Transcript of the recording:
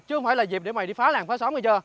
chứ không phải là dịp để mày phá làng phá xóm nghe chưa